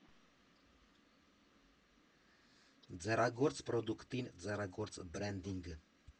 Ձեռագործ պրոդուկտին՝ ձեռագործ բրենդինգ.